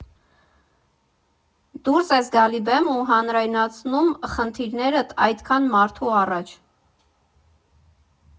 Դուրս ես գալիս բեմ ու հանրայնացնում խնդիրներդ այդքան մարդու առաջ։